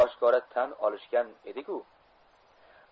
oshkora tan olishgan edi ku